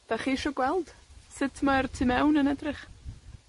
'Dach chi isio gweld sut mae'r tu mewn yn edrych?